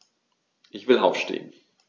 Ich will aufstehen.